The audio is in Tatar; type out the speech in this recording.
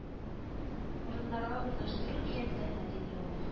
Урыннарга урнаштыру ниятләнә ,- ди леонов